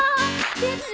biết